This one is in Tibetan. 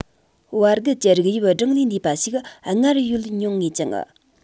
བར བརྒལ གྱི རིགས དབྱིབས གྲངས ལས འདས པ ཞིག སྔར ཡོད མྱོང ངེས ཀྱང